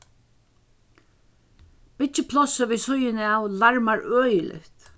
byggiplássið við síðuna av larmar øgiligt